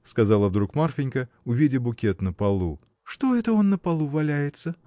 — сказала вдруг Марфинька, увидя букет на полу, — что это он на полу валяется?